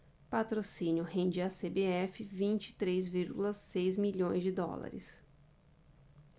patrocínio rende à cbf vinte e três vírgula seis milhões de dólares